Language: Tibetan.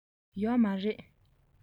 ཡོད མ རེད